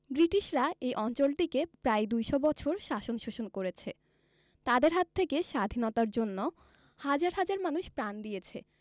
ব্রিটিশরা এই অঞ্চলটিকে প্রায় দুইশ বছর শাসন শোষণ করেছে তাদের হাত থেকে স্বাধীনতার জন্য হাজার হাজার মানুষ প্রাণ দিয়েছে